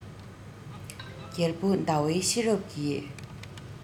རྒྱལ བུ ཟླ བའི ཤེས རབ ཀྱིས